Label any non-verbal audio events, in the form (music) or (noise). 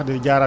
(hesitation) (hesitation)